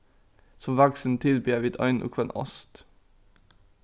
sum vaksin tilbiðja vit ein og hvønn ost